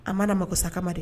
A mana magosa kama dɛ